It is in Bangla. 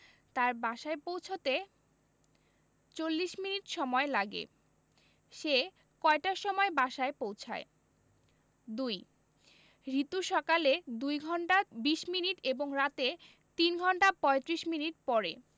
তার বাসায় পৌছাতে ৪০ মিনিট সময় লাগে সে কয়টার সময় বাসায় পৌছায় ২ রিতু সকালে ২ ঘন্টা ২০ মিনিট এবং রাতে ৩ ঘণ্টা ৩৫ মিনিট পড়ে